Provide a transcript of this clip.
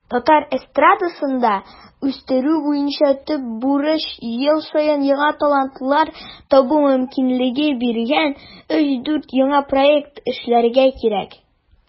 Татар эстрадасын үстерү буенча төп бурыч - ел саен яңа талантлар табу мөмкинлеге биргән 3-4 яңа проект эшләргә кирәк.